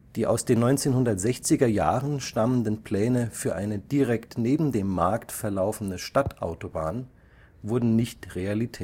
Die aus den 1960er Jahren stammenden Pläne für eine direkt neben dem Markt verlaufende Stadtautobahn wurden nicht Realität